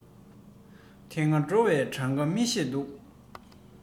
དེ སྔ སོང བའི གྲངས ཀ མི ཤེས འདུག